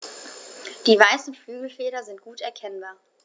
Die weißen Flügelfelder sind gut erkennbar.